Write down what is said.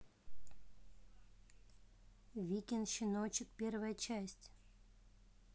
викин щеночек первая часть